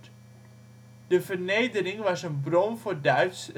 vernedering was een bron voor Duits